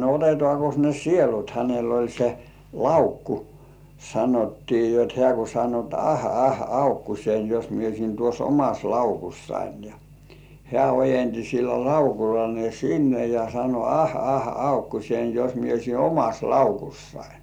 no otetaankos ne sielut hänellä oli se laukku sanottiin jotta hän kun sanoi jotta ah ah laukkuseni jos minä olisin tuossa omassa laukussani ja hän ojensi sillä laukulla ne sinne ja sanoi ah ah laukkuseni jos minä olisin omassa laukussani